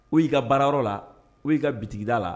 U y'i ka baarayɔrɔ la o y'i ka bitigida la